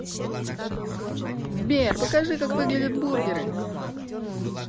сбер покажи как выглядит бургеры